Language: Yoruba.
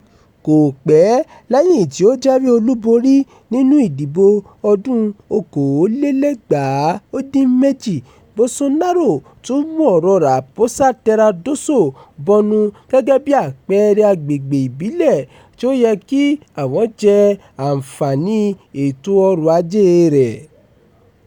Kò pẹ́ lẹ́yìn tí ó jáwé olúborí nínú ìdìbò 2018, Bolsonaro tún mú ọ̀rọ̀ Raposa Terra do Sol bọnu gẹ́gẹ́ bí àpẹẹrẹ agbègbè ìbílẹ̀ tí ó yẹ kí àwọn jẹ àǹfààní ètò ọrọ̀-ajée rẹ̀.